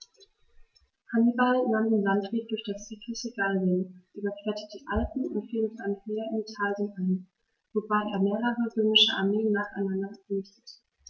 Hannibal nahm den Landweg durch das südliche Gallien, überquerte die Alpen und fiel mit einem Heer in Italien ein, wobei er mehrere römische Armeen nacheinander vernichtete.